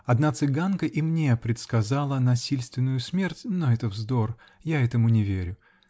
Одна цыганка и мне предсказала насильственную смерть, но это вздор. Я этому не верю.